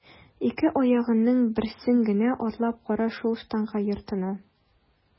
Ике аягыңның берсен генә атлап кара шул штанга йортына!